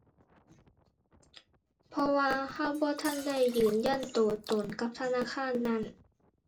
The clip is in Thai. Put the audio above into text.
เพราะว่าเราบ่ทันได้ยืนยันเราตนกับธนาคารนั่น